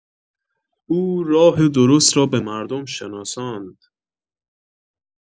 او راه درست را به مردم شناساند